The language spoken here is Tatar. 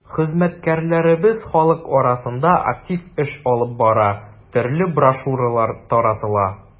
Хезмәткәрләребез халык арасында актив эш алып бара, төрле брошюралар таратыла.